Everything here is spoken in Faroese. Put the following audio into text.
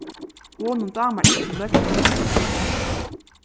honum dámar ikki løgregluna